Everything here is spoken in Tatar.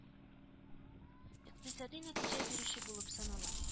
Икътисади нәти ә бирүче булып санала